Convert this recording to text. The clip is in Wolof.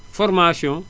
formation